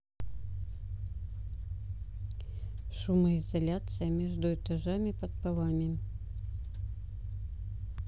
шумоизоляция между этажами под полами